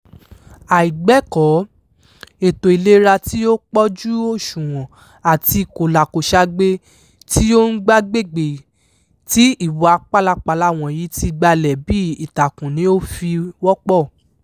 Àìgbẹ̀kọ́, ètò ìlera tí ò pójú òṣùwọ̀n àti kòlàkòṣagbe tí ó ń gb'àgbègbè tí ìwà pálapalà wọ̀nyí ti gbalẹ̀ bí i ìtàkùn ni ó fi wọ́pọ̀.